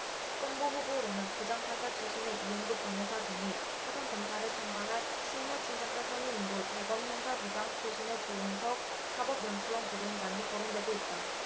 특검보 후보로는 부장판사 출신의 이용구 변호사 등이 파견검사를 총괄할 실무 팀장급 선임으로 대검 형사부장 출신의 조은석 사법연수원 부원장이 거론되고 있다